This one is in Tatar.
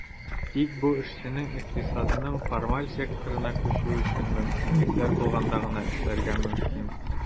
Тик бу эшченең икътисадның формаль секторына күчүе өчен мөмкинлекләр булганда гына эшләргә мөмкин.